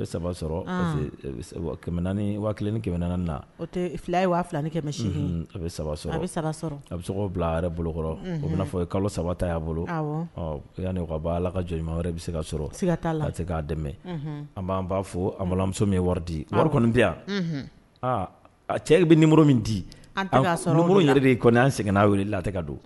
A bɛ saba sɔrɔ parce waati kelen ni kɛmɛm na o fila ye waa fila ni a bɛ saba sɔrɔ a bɛ saba sɔrɔ a bɛ tɔgɔ bila a bolokɔrɔ o bɛnaa fɔ ye kalo saba ta y'a bolo yan ala ka jɔn wɛrɛ bɛ se ka sɔrɔ seiga ka' la a tɛ k'a dɛmɛ an b'an b'a fɔ an balimamuso min ye wari di wari kɔni di yan aa a cɛ bɛ nimuru min di yɛrɛ de kɔni an segin n'a weele latɛ ka don